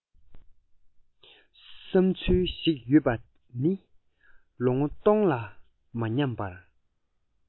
བསམ ཚུལ ཞིག ཡོད པ ནི ལོ ངོ སྟོང ལ མ ཉམས པར